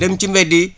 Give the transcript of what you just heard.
dem ci mbedd yi